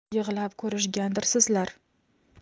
yig'lab ko'rishgandirsizlar